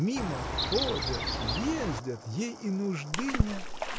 мимо ходят, ездят – ей и нужды нет!